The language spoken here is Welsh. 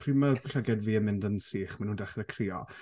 pryd mae ll- llygaid fi yn mynd yn sych, maen nhw'n dechrau crio.